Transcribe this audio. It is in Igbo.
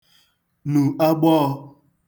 nù agbọọ̄